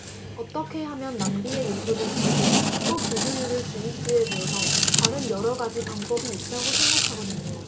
어떻게 하면 낭비의 요소를 줄이고 또 비효율을 줄일지에 대해서 다른 여러 가지 방법이 있다고 생각하거든요